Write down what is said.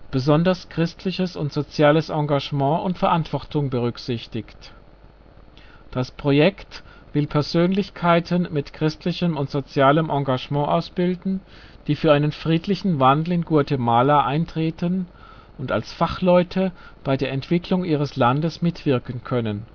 besonders christliches und soziales Engagement und Verantwortung berücksichtigt. Das Projekt will Persönlichkeiten mit christlichem und sozialem Engagement ausbilden, die für einen friedlichen Wandel in Guatemala eintreten und als Fachleute bei der Entwicklung ihres Landes mitwirken können